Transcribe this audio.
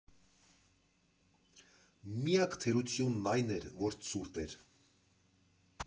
Միակ թերությունն այն էր, որ ցուրտ էր։